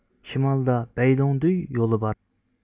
شىمالدا بەيلوڭدۇي يولى بار